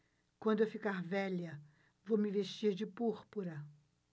quando eu ficar velha vou me vestir de púrpura